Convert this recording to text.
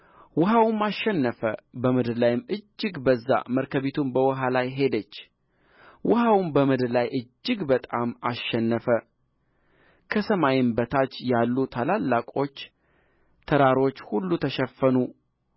ውኃውም አሸነፈ በምድር ላይም እጅግ በዛ መርከቢቱም በውኃ ላይ ሄደች ውኃውም በምድር ላይ እጅግ በጣም አሸነፈ ከሰማይም በታች ያሉ ታላላቆች ተራሮች ሁሉ ተሸፈኑ